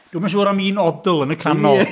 Dwi'm yn siŵr am un odl yn y canol.